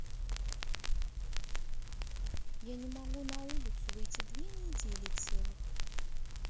я не могу на улицу выйти две недели целых